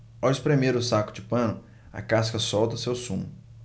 ao espremer o saco de pano a casca solta seu sumo